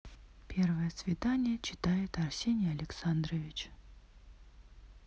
первое свидание читает арсений александрович